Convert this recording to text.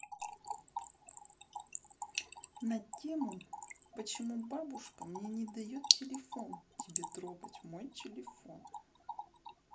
на тему почему бабушка мне не дает телефон тебе трогать мой телефон